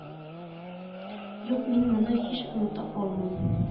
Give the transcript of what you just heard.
Юк мин моны һич оныта алмыйм